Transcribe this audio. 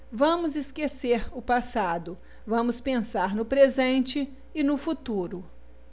vamos esquecer o passado vamos pensar no presente e no futuro